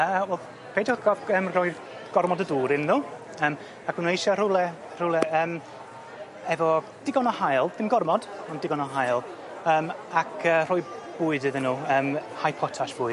Yy wel be' dwi wrth go- yym rhoi gormod o dŵr in nhw yym ac ma' nhw eisia rhywle rhywle yym efo digon o haul, ddim gormod ond digon o haul yym ac yy rhoi bwyd iddyn nhw yym high potash fwyd.